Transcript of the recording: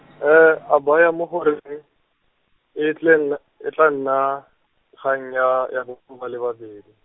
, a baya mo go , e tle nn-, e tla nna, kgang ya, ya le ba babedi.